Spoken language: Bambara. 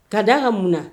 Ka da an ka mun